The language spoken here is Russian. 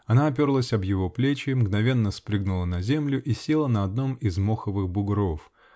Она оперлась об его плечи, мгновенно спрыгнула на землю и села на одном из моховых бугров .